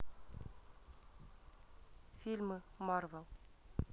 фильмы марвел